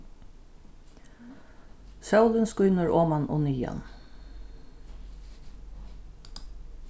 sólin skínur oman og niðan